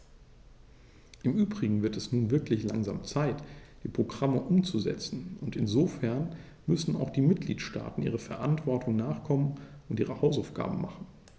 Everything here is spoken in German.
Im übrigen wird es nun wirklich langsam Zeit, die Programme umzusetzen, und insofern müssen auch die Mitgliedstaaten ihrer Verantwortung nachkommen und ihre Hausaufgaben machen.